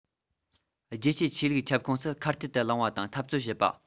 རྒྱལ སྤྱིའི ཆོས ལུགས ཁྱབ ཁོངས སུ ཁ གཏད དུ ལངས པ དང འཐབ རྩོད བྱེད པ